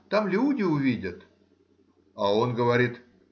там люди увидят, а он говорит